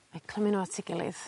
a'u clymu n'w at 'i gilydd.